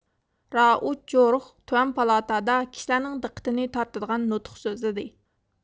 رائۇج جورج تۆۋەن پالاتادا سۆزلىگەن كىشىلەرنىڭ دىققىتىنى تارتىدىغان نۇتۇق سۆزلىدى